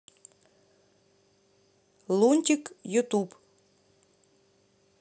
лунтик ютуб